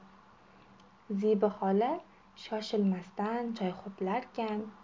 zebi xola shoshilmasdan choy ho'plarkan